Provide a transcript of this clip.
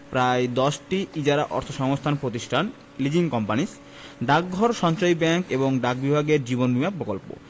প্রায় ১০টি ইজারা অর্থসংস্থান প্রতিষ্ঠান লিজিং কোম্পানিস ডাকঘর সঞ্চয়ী ব্যাংক এবং ডাক বিভাগের জীবন বীমা প্রকল্প